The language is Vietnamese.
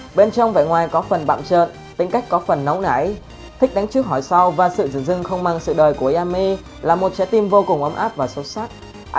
bên trong vẻ ngoài có phần bặm trợn tính cách có phần nóng này thích đánh trước hỏi sau và sự dửng dưng không màng sự đời của yami là trái tim vô cùng ấm áp và sâu sắc